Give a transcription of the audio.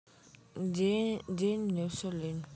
день мне все лень